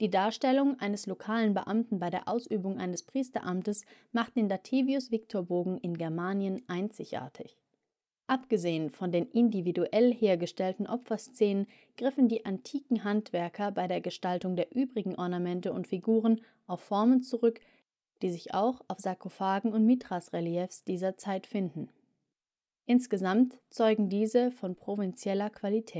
Darstellung eines lokalen Beamten bei der Ausübung eines Priesteramtes macht den Dativius-Victor-Bogen in Germanien einzigartig. Abgesehen von den individuell hergestellten Opferszenen griffen die antiken Handwerker bei der Gestaltung der übrigen Ornamente und Figuren auf Formen zurück, die sich auch auf Sarkophagen und Mithrasreliefs dieser Zeit finden. Insgesamt zeugen diese von provinzieller Qualität